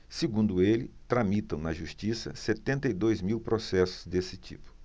segundo ele tramitam na justiça setenta e dois mil processos desse tipo